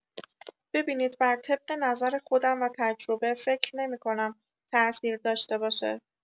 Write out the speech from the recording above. ببینید بر طبق نظر خودم و تجربه فکر نمی‌کنم تاثیر داشته باشه.